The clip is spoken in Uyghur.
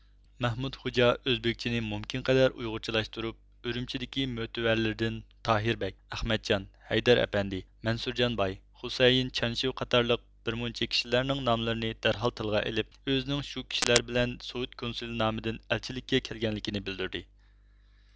مەھمۇت خوجا ئۆزبېكچىنى مۇمكىنقەدەر ئۇيغۇرچىلاشتۇرۇپ ئۈرۈمچىدىكى مۆتىۋەرلىرىدىن تاھىر بەگ ئەخمەتجان ھەيدەر ئەپەندى مەنسۇرجانباي خۇسەيىن چانشېۋ قاتارلىق بىر مۇنچە كىشىلەرنىڭ ناملىرىنى دەرھال تىلغا ئېلىپ ئۆزىنىڭ شۇ كىشىلەر بىلەن سوۋېت كونسۇلى نامىدىن ئەلچىلىككە كەلگەنلىكىنى بىلدۈردى